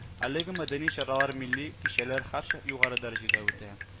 Әлеге мәдәни чаралар, милли кичәләр һәрчак югары дәрәҗәдә үтә